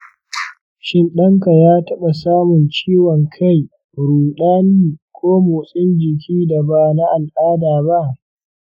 shin ɗanka ya taɓa samun ciwon kai, ruɗani, ko motsin jiki da ba na al’ada ba?